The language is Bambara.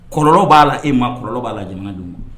Kɔlɔlɔ b'a la e ma, kɔlɔlɔ b'a la jamana denw ma.